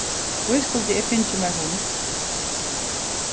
hví skuldi eg fingið mær hund